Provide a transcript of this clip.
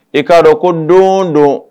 I k'a dɔn ko don don